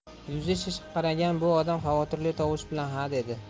yuzi shishinqiragan bu odam xavotirli tovush bilan ha dedi